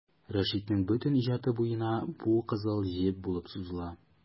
Рәшитнең бөтен иҗаты буена бу кызыл җеп булып сузыла.